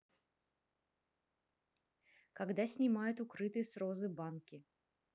когда снимают укрытие с розы банки